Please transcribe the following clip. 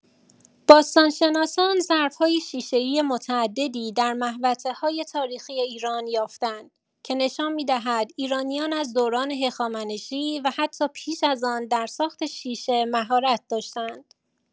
باستان‌شناسان ظرف‌های شیشه‌ای متعددی در محوطه‌های تاریخی ایران یافته‌اند که نشان می‌دهد ایرانیان از دوران هخامنشی و حتی پیش از آن در ساخت شیشه مهارت داشته‌اند.